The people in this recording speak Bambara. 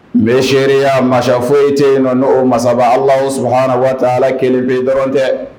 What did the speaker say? N bɛ seya mansa foyi tɛ yen nɔ' o masa ala sukarara waa kelen bɛ dɔrɔn dɛ